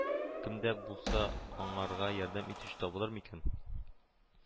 Кемдә булса анарга ярдәм итүче табылыр микән